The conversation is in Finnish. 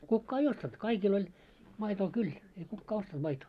kukaan ei ostanut kaikilla oli maitoa kyllä ei kukaan ostanut maitoa